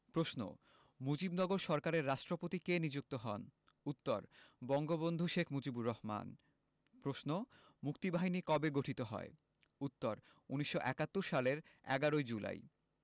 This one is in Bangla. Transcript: প্রশ্ন মুজিবনগর সরকারের রাষ্ট্রপতি কে নিযুক্ত হন উত্তর বঙ্গবন্ধু শেখ মুজিবুর রহমান প্রশ্ন মুক্তিবাহিনী কবে গঠিত হয় উত্তর ১৯৭১ সালের ১১ জুলাই